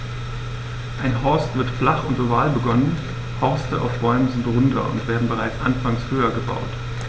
Ein Horst wird flach und oval begonnen, Horste auf Bäumen sind runder und werden bereits anfangs höher gebaut.